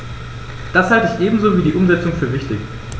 Das halte ich ebenso wie die Umsetzung für wichtig.